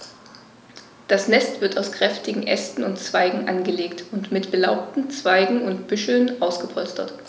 Das Nest wird aus kräftigen Ästen und Zweigen angelegt und mit belaubten Zweigen und Büscheln ausgepolstert.